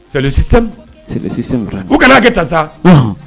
Seli u kana'a kɛ ta sa